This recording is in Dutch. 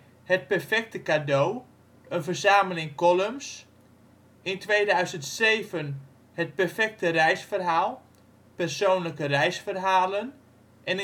cadeau - Een verzameling columns 2007 - Het Perfecte Reisverhaal - Persoonlijke reisverhalen 2008